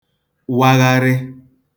wagharị